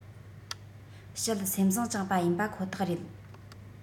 བཤད སེམས བཟང བཅངས པ ཡིན པ ཁོ ཐག རེད